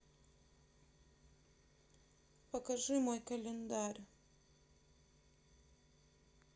покажи мой календарь